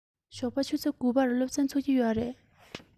ཞོགས པ ཆུ ཚོད དགུ པར སློབ ཚན ཚུགས ཀྱི ཡོད རེད